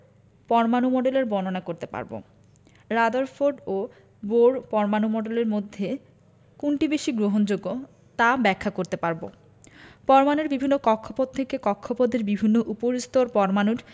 পরমাণু মডেলের বর্ণনা করতে পারব রাদারফোর্ড ও বোর পরমাণু মডেলের মধ্যে কোনটি বেশি গ্রহণযোগ্য তা ব্যাখ্যা করতে পারব পরমাণুর বিভিন্ন কক্ষপথ থেকে কক্ষপথের বিভিন্ন উপরস্তর পরমাণুর